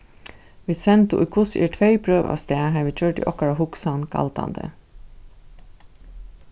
vit sendu ið hvussu er tvey brøv avstað har vit gjørdu okkara hugsan galdandi